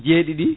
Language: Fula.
jeeɗiɗi